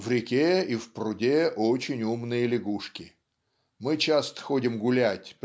В реке и в пруде очень умные лягушки. Мы часто ходим гулять